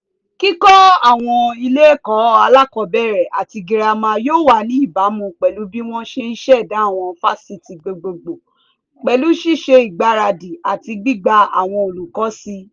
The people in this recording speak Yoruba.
Kíkọ́ àwọn ilé ẹ̀kọ́ alákọ̀ọ́bẹ̀rẹ̀ àti girama yóò wà ní ìbámu pẹ̀lú bí wọ́n ṣe ń ṣẹ̀dá àwọn fáṣítì gbogbogbò, pẹ̀lú ṣiṣẹ́ ìgbáradì àti gbígba àwọn olùkọ́ si.